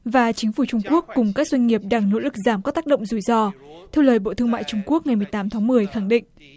và chính phủ trung quốc cùng các doanh nghiệp đang nỗ lực giảm có tác động rủi ro theo lời bộ thương mại trung quốc ngày mười tám tháng mười khẳng định